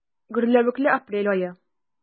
Гөрләвекле апрель ае.